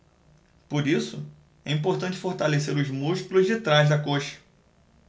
por isso é importante fortalecer os músculos de trás da coxa